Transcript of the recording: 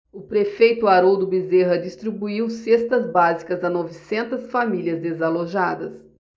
o prefeito haroldo bezerra distribuiu cestas básicas a novecentas famílias desalojadas